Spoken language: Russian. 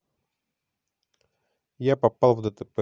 я попал в дтп